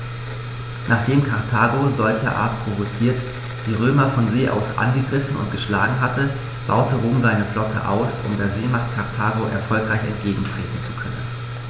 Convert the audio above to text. Nachdem Karthago, solcherart provoziert, die Römer von See aus angegriffen und geschlagen hatte, baute Rom seine Flotte aus, um der Seemacht Karthago erfolgreich entgegentreten zu können.